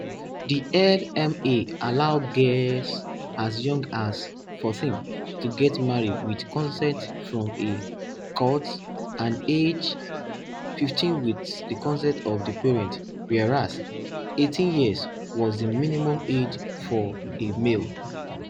The LMA allowed girls as young as 14 to get married with consent from a court and age 15 with the consent of the parents whereas 18 years was the minimum age for a male.